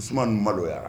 Usmane maloyara